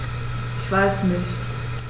Ich weiß nicht.